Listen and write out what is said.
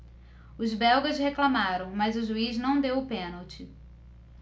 os belgas reclamaram mas o juiz não deu o pênalti